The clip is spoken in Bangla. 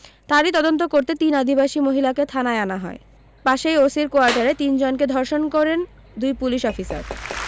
তারি তদন্ত করতে তিন আদিবাসী মহিলাকে থানায় আনা হয় পাশেই ওসির কোয়ার্টারে তিন জনকে ধর্ষন করেন দুই পুলিশ অফিসার